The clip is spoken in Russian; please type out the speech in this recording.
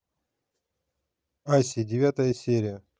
аси девятая серия